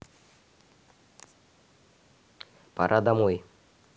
пора домой